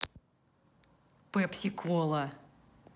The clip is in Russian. pepsi cola